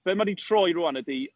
Be ma' 'di troi rŵan ydy...